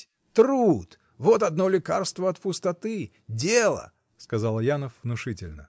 Труд — вот одно лекарство от пустоты: дело! — сказал Аянов внушительно.